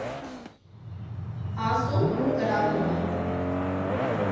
Ասում ու կրակում է։